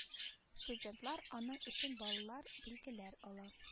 Студентлар аның өчен баллар билгеләр ала